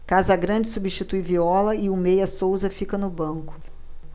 casagrande substitui viola e o meia souza fica no banco